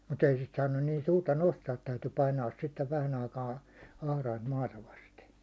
mutta ei sitä saanut niin suurta nostaa täytyi painaa sitten vähän aikaa atrainta maata vasten